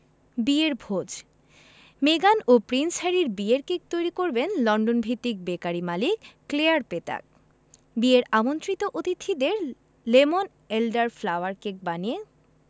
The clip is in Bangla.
বিয়ের ভোজ মেগান ও প্রিন্স হ্যারির বিয়ের কেক তৈরি করবেন লন্ডনভিত্তিক বেকারি মালিক ক্লেয়ার পেতাক বিয়ের আমন্ত্রিত অতিথিদের লেমন এলডার ফ্লাওয়ার কেক বানিয়ে